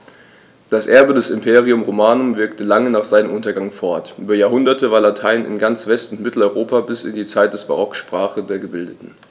Dieses Erbe des Imperium Romanum wirkte lange nach seinem Untergang fort: Über Jahrhunderte war Latein in ganz West- und Mitteleuropa bis in die Zeit des Barock die Sprache der Gebildeten.